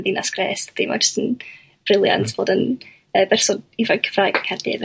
ddinas grêt dydi? Ma' jyst yn brilliant bod yn y berson ifanc Cymraeg yn Caerdydd